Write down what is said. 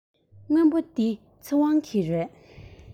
སྔོན པོ འདི ཚེ དབང གི རེད